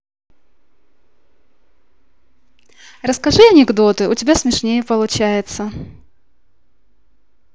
расскажи анекдоты у тебя смешнее получается